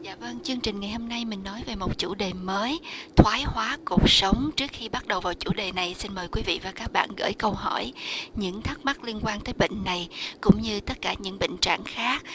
dạ vâng chương trình ngày hôm nay mình nói về một chủ đề mới thoái hóa cột sống trước khi bắt đầu vào chủ đề này xin mời quý vị và các bạn gởi câu hỏi những thắc mắc liên quan tới bệnh này cũng như tất cả những bệnh trạng khác